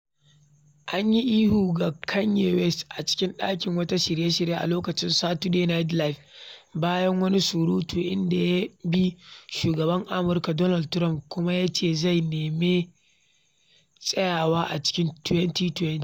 An yi ihu ga Kanye West a cikin ɗakin watsa shirye-shirye a lokacin Saturday Night Live bayan wani surutu inda ya yabi Shugaban Amurka. Donald Trump kuma ya ce zai neme tsayawa a cikin 2020.